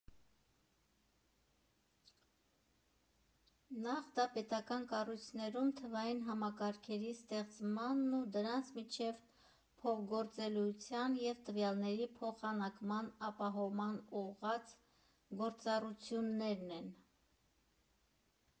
Նախ դա պետական կառույցներում թվային համակարգերի ստեղծմանն ու դրանց միջև փոխգործելիության և տվյալների փոխանակման ապահովմանն ուղղված գործառույթներն են։